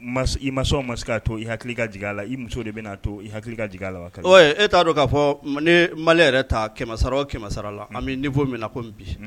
Mas i masaw ma se k'a to i hakili ka jig'a la i muso de bɛn'a to i hakili ka jig'a la wa ka oui e t'a dɔ k'a fɔɔ m nee malien yɛrɛ taa 100 sara o 100 sara la an be niveau minna comme bi